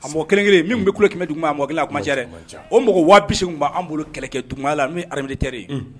A mɔ kelen kelen min bɛ kulo kɛmɛ bɛ tun a mɔ kelen a kumacɛɛrɛ o mɔgɔ waasi tun'an bolo kɛlɛkɛ tunya la n hari tɛ